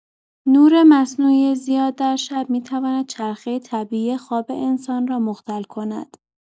نور مصنوعی زیاد در شب می‌تواند چرخه طبیعی خواب انسان را مختل کند.